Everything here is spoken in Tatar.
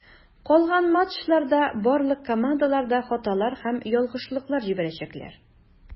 Калган матчларда барлык командалар да хаталар һәм ялгышлыклар җибәрәчәк.